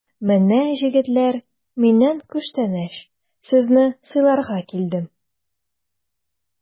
Менә, җегетләр, миннән күчтәнәч, сезне сыйларга килдем!